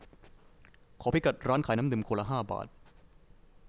ขอพิกัดร้านขายน้ำดื่มขวดละห้าบาท